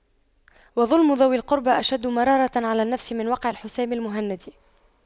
وَظُلْمُ ذوي القربى أشد مرارة على النفس من وقع الحسام المهند